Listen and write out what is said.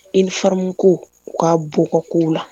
I nifa ko u k'a bugɔgɔko la